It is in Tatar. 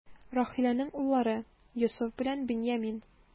Рахиләнең уллары: Йосыф белән Беньямин.